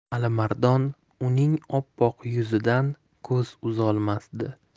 alimardon uning oppoq yuzidan ko'z uzolmasdi